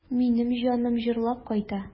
Минем җаным җырлап кайта.